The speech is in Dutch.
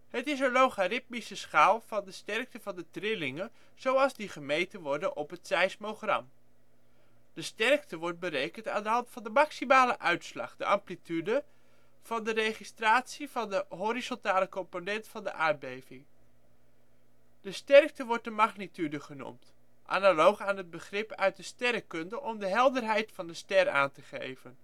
Het is een logaritmische schaal van de sterkte van de trillingen, zoals die gemeten worden op het seismogram. De sterkte wordt berekend aan de hand van de maximale uitslag (amplitude) van de registratie van de horizontale component van de aardbeving. De sterkte wordt de magnitude genoemd, analoog aan het begrip uit de sterrenkunde om de helderheid van een ster aan te geven